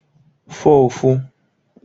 fụ ụ̀fụ